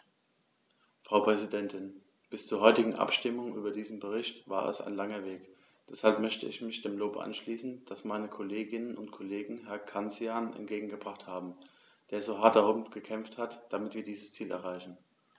Frau Präsidentin, bis zur heutigen Abstimmung über diesen Bericht war es ein langer Weg, deshalb möchte ich mich dem Lob anschließen, das meine Kolleginnen und Kollegen Herrn Cancian entgegengebracht haben, der so hart darum gekämpft hat, damit wir dieses Ziel erreichen.